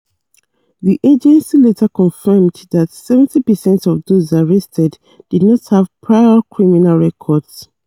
The agency later confirmed that 70 percent of those arrested did not have prior criminal records.